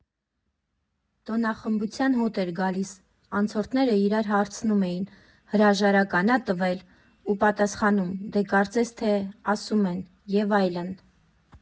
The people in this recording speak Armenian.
Տոնախմբության հոտ էր գալիս, անցորդները իրար հարցնում էին՝ հրաժարական ա՞ տվել, ու պատասխանում՝ դե կարծես թե, ասում են, և այլն։